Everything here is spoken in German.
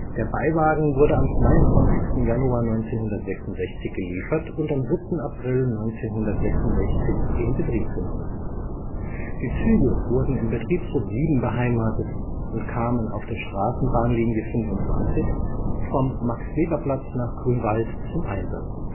Der Beiwagen wurde am 22. Januar 1966 geliefert und am 7. April 1966 in Betrieb genommen. Die Züge wurden im Betriebshof 7 beheimatet und kamen auf der Straßenbahnlinie 25 vom Max-Weber-Platz nach Grünwald zum Einsatz